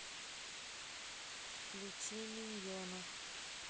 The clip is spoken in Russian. включи миньонов